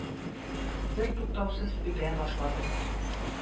Бертуктаусыз үбә башладың.